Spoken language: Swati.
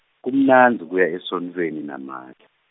kumnandzi kuya esontsweni na make.